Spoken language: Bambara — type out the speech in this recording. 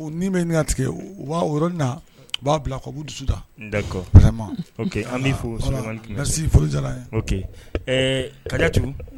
Ni bɛ min tigɛ u b'a yɔrɔin na u b'a bila kabu dusudama an furu ka tugun